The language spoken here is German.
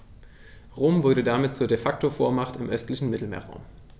Rom wurde damit zur ‚De-Facto-Vormacht‘ im östlichen Mittelmeerraum.